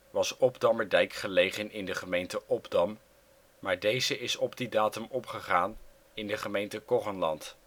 was Obdammerdijk gelegen in de gemeente Obdam, maar deze is op vanaf die datum opgegaan in de gemeente Koggenland